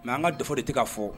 Mɛ an ka dafa de tɛ ka fɔ